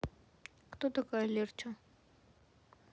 кто такая лерча